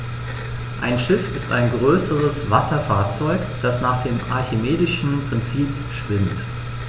Ein Schiff ist ein größeres Wasserfahrzeug, das nach dem archimedischen Prinzip schwimmt.